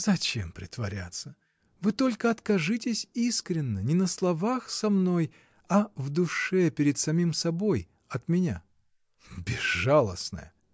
— Зачем притворяться: вы только откажитесь искренно, не на словах со мной, а в душе перед самим собой, от меня. — Безжалостная!